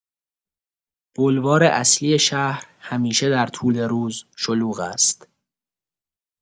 بلوار اصلی شهر همیشه در طول روز شلوغ است.